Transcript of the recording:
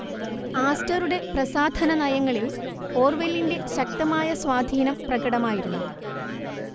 ആസ്റ്ററുടെ പ്രസാധനനയങ്ങളിൽ ഓർവെലിന്റെ ശക്തമായ സ്വാധീനം പ്രകടമായിരുന്നു